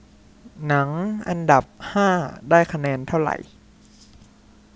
หนังอันดับห้าได้คะแนนเท่าไหร่